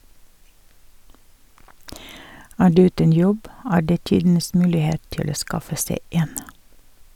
Er du uten jobb, er det tidenes mulighet til å skaffe seg en.